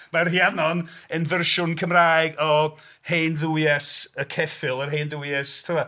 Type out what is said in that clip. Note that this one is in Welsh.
Mae Rhiannon yn fersiwn Cymraeg o hen dduwies y ceffyl, yr hen dduwies t'bod.